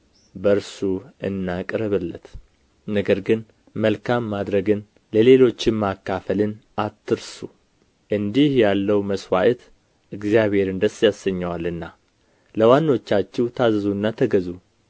በእርሱ እናቅርብለት ነገር ግን መልካም ማድረግን ለሌሎችም ማካፈልን አትርሱ እንዲህ ያለው መሥዋዕት እግዚአብሔርን ደስ ያሰኘዋልና ለዋኖቻችሁ ታዘዙና ተገዙ